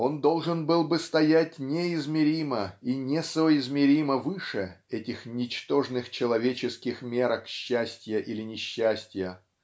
он должен был бы стоять неизмеримо и несоизмеримо выше этих ничтожных человеческих мерок счастья или несчастья